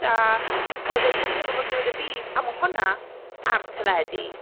A oedd e just yn teimlo fel diwedd y byd, a mae hwnna ar teledu.